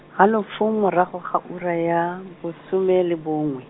halofo morago ga ura ya, bosome le bongwe.